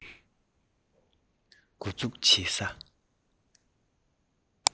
མགོ འཛུགས བྱེད ས